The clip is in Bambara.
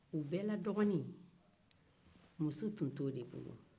u bɛɛ la dɔgɔnin muso tun tɛ o de bolo